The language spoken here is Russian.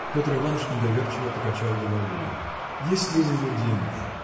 Петр Иваныч недоверчиво покачал головой. – Есть ли у него деньги?